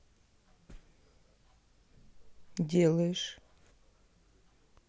делаешь